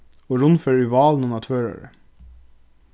og rundferð í válinum á tvøroyri